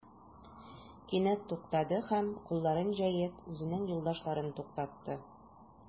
Кинәт туктады һәм, кулларын җәеп, үзенең юлдашларын туктатты.